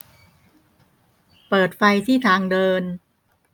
เปิดไฟที่ทางเดิน